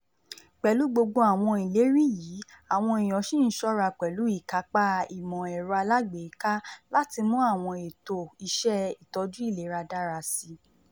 Pẹ̀lú gbogbo àwọn ìlérí yìí, àwọn èèyàn sì ń ṣọ́ra pẹ̀lú ìkápá ìmọ̀-ẹ̀rọ alágbèéká láti mú àwọn ètò iṣẹ́ ìtọ́jú ìlera dára síi.